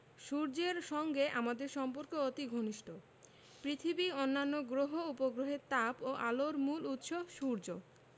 সূর্যের সঙ্গে আমাদের সম্পর্ক অতি ঘনিষ্ট পৃথিবী অন্যান্য গ্রহ উপগ্রহের তাপ ও আলোর মূল উৎস সূর্য